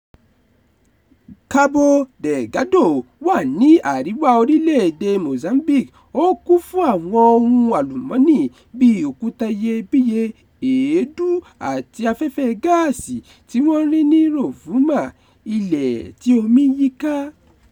Cabo Delgado wà ní àríwá orílè-èdè Mozambique, ó kún fún àwọn ohun àlùmọ́nì bí i òkúta iyebíye, èédú àti afẹ́fẹ́ gáàsì tí wọ́n rí ní Rovuma, ilẹ tí omí yí ká.